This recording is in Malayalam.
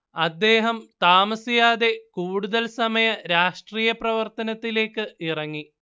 അദ്ദേഹം താമസിയാതെ കൂടുതൽ സമയ രാഷ്ട്രീയ പ്രവർത്തനത്തിലെക്ക് ഇറങ്ങി